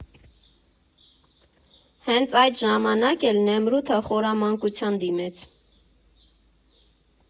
Հենց այդ ժամանակ էլ Նեմրութը խորամանկության դիմեց.